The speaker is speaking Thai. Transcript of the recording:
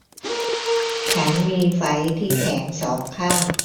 ฉันมีไฝที่แขนสองข้าง